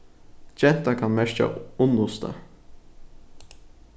genta kann merkja unnusta